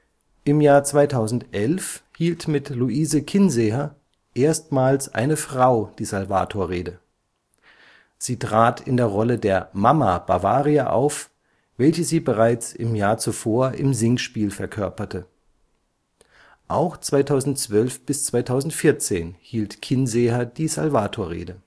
Im Jahr 2011 hielt mit Luise Kinseher erstmals eine Frau die Salvatorrede. Sie trat in der Rolle der „ Mama “Bavaria auf, welche sie bereits im Jahr zuvor im Singspiel verkörperte. Auch 2012 bis 2014 hielt Kinseher die Salvatorrede